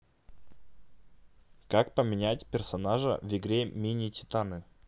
как поменять персонажа в игре мини титаны